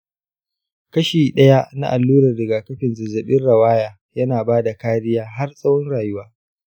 kashi daya na allurar rigakafin zazzabin rawaya yana bada kariya har tsawon rayuwa.